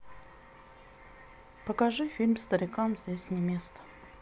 покажи фильм старикам здесь не место